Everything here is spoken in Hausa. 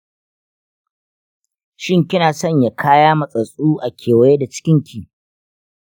shin kina sanya kaya matsatstsu a kewaye da cikinki?